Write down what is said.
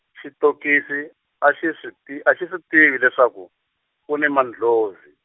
xitokisi, a xi swi ti a xi swi tivi leswaku, ku ni mandlhozi.